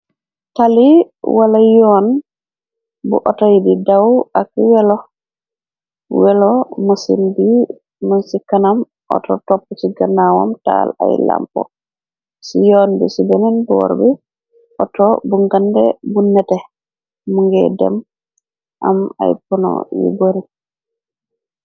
Tali wala yoon bu autoy di daw ak welo mësin bi mun ci kanam auto topp ci gannawam taal ay lampo ci yoon bi ci beneen boor bi auto bu ngande bu nete mu ngay dem am ay puno yu bari.